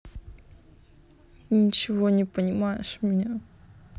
ничего не понимаешь меня